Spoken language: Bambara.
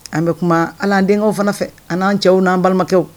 An bɛ kuma alaan denkɛ fana an n'an cɛw n'an balimakɛ